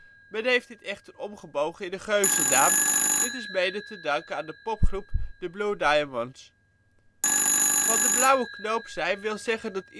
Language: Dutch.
heeft dit echter omgebogen in een geuzennaam. Dit is mede te danken aan de popgroep The Blue Diamonds. Van de blauwe knoop zijn wil zeggen dat